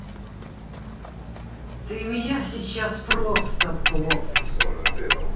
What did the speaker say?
ты меня сейчас просто после